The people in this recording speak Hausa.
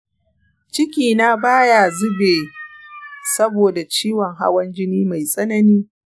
ciki na baya ya zube saboda ciwon hawan jini mai tsanini.